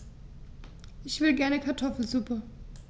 Ich will gerne Kartoffelsuppe.